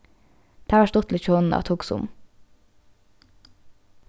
tað var stuttligt hjá honum at hugsa um